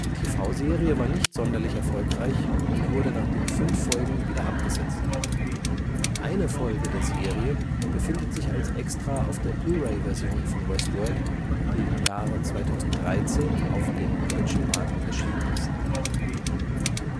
TV-Serie war nicht sonderlich erfolgreich und wurde nach den fünf Folgen wieder abgesetzt. Eine Folge der Serie befindet sich als Extra auf der Blu Ray Version von Westworld, die im Jahre 2013 auf dem deutschen Markt erschienen ist. Die